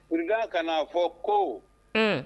Wula ka naa fɔ ko